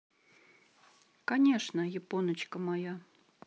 конечно яночка моя